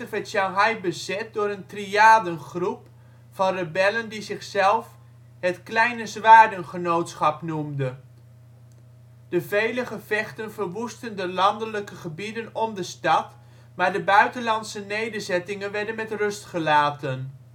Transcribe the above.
triadengroep van rebellen die zichzelf het " Kleine Zwaarden Genootschap " noemde. De vele gevechten verwoestten de landelijke gebieden om de stad, maar de buitenlandse nederzettingen werden met rust gelaten